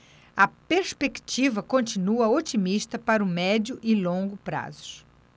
a perspectiva continua otimista para o médio e longo prazos